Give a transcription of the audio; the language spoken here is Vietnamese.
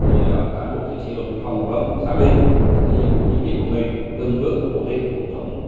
thì cán bộ chiến sĩ đồn biên phòng ngọc lâm xác định nhiệm vụ chính trị của mình từng bước ổn định cuộc sống